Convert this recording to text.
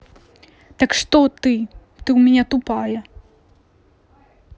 так что ты ты у меня тупая